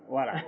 voilà